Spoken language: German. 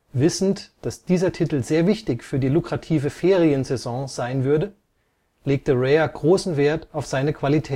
Wissend, dass dieser Titel sehr wichtig für die lukrative Feriensaison sein würde, legte Rare großen Wert auf seine Qualität